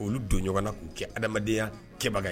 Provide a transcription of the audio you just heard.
Olu don ɲɔgɔn na tun kɛ hadamadenya kɛbaga ye